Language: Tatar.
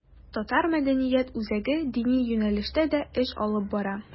Татар мәдәният үзәге дини юнәлештә дә эш алып бара.